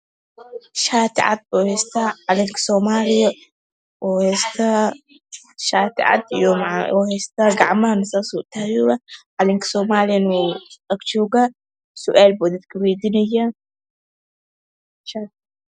Shaati cad uu haystaa calanka soomaliya uu haystaa shati cad uu haystaa gacmahana saasuu utaagoyaa calanka soomaliyana wuu agjoogaa sual buu dadka wadiinayaa